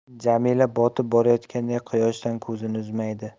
jamila botib borayotgan quyoshdan ko'zini uzmaydi